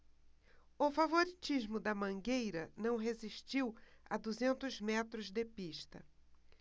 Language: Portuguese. o favoritismo da mangueira não resistiu a duzentos metros de pista